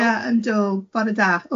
Haia, yndw, bore da.